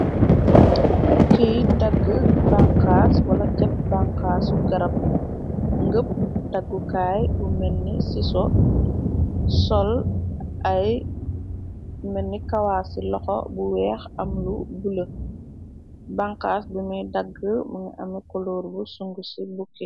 Kiy dagga banxaas wala cepp banxaasu garab, ngëpp daggukaay bu menni siso , sol ay menni kawaa ci loxo bu weex am lu bule, banxas bu muy dagg mnga ame coloor bu sung ci bukke.